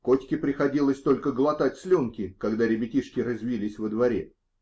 Котьке приходилось только глотать слюнки, когда ребятишки резвились во дворе.